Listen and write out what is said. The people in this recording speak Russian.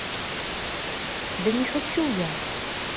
да не хочу я